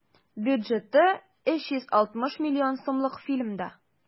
Бюджеты 360 миллион сумлык фильмда.